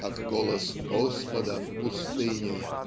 Как голос Господа в пустыне.